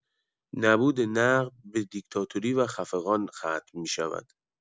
نبود نقد به دیکتاتوری و خفقان ختم می‌شود.